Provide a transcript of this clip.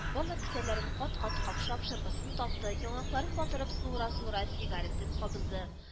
Барлык кесәләрен кат-кат капшап шырпысын тапты, яңакларын батырып суыра-суыра сигаретын кабызды